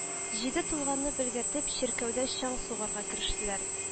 Җиде тулганны белгертеп, чиркәүдә чаң сугарга керештеләр